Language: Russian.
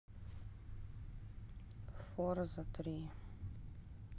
форза три